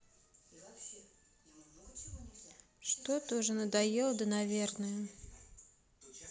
что ты уже надоела да наверное